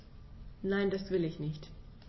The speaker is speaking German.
Nein, das will ich nicht.